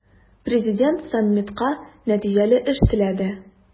Президент саммитка нәтиҗәле эш теләде.